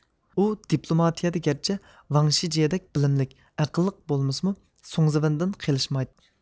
ئۇ دىپلوماتىيىدە گەرچە ۋاڭشىجيېدەك بىلىملىك ئەقىللىق بولمىسىمۇ سۇڭزىۋېندىن قېلىشمايتتى